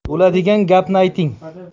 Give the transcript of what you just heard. bo'ladigan gapni ayting